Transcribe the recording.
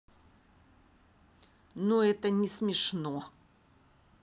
но это не смешно